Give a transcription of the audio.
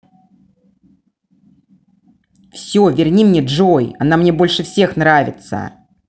все верни мне джой она мне больше всех нравится